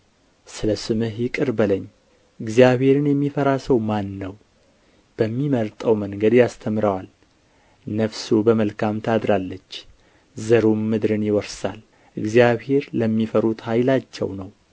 ስለ ስምህ ይቅር በለኝ እግዚአብሔርን የሚፈራ ሰው ማን ነው በሚመርጠው መንገድ ያስተምረዋል ነፍሱ በመልካም ታድራለች ዘሩም ምድርን ይወርሳል እግዚአብሔር ለሚፈሩት ኃይላቸው ነው